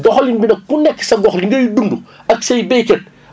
doxalin bi nag ku nekk sa gox li ngay dund ak say béykat